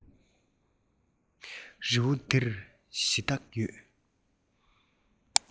རི བོ འདིར གཞི བདག ཡོད